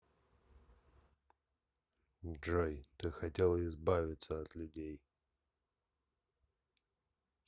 джой ты хотела избавиться от людей